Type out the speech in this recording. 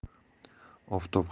oftob har kuni